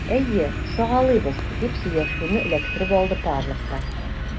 Әйе, сагалыйбыз, - дип сөйләшүне эләктереп алды Павлов та.